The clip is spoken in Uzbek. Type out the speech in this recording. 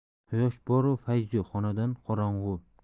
quyosh bor u fayz yo'q xonadon qorong'u